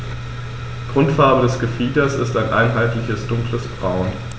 Grundfarbe des Gefieders ist ein einheitliches dunkles Braun.